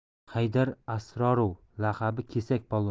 haydar asrorov laqabi kesak polvon